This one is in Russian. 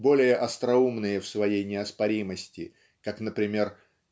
более остроумные в своей неоспоримости как например